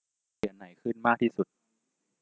เหรียญไหนขึ้นมากที่สุด